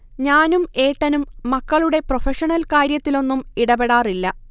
ഞാനും ഏട്ടനും മക്കളുടെ പ്രൊഫഷണൽ കാര്യത്തിലൊന്നും ഇടപെടാറില്ല